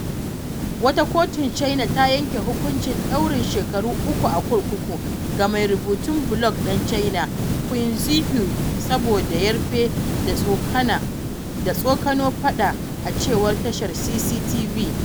Wata kotun China ta yanke hukuncin ɗaurin shekaru uku a kurkuku ga mai rubutun blog ɗan China, Qin Zhihui, saboda “yarfe” da “tsokano faɗa,” a cewar tashar CCTV.